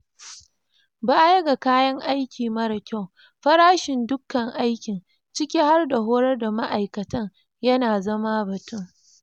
Baya ga kayan aiki mara kyau, farashin dukan aikin - ciki har da horar da ma'aikatan - yana zama batun.